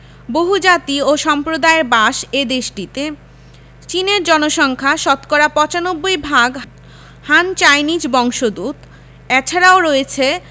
বহুজাতি ও সম্প্রদায়ের বাস এ দেশটিতে চীনের জনসংখ্যা শতকরা ৯৫ ভাগ হান চাইনিজ বংশোদূত এছারাও রয়েছে